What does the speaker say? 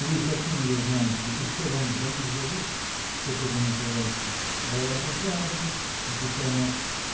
— Вы почем ее знаете и что вам до них за дело? — сухо заметил Райский. — Это правда, — отвечал Марк.